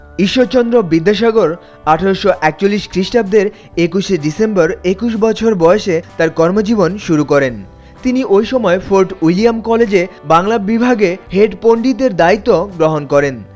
ঈশ্বরচন্দ্র বিদ্যাসাগর ১৮৪১ খ্রিস্টাব্দের ২১ শে ডিসেম্বর ২১ বছর বয়সে তার কর্ম জীবন শুরু করেন তিনি ওই সময় ফোর্ট উইলিয়াম কলেজে বাংলা বিভাগে হেড পণ্ডিতের দায়িত্ব গ্রহণ করেন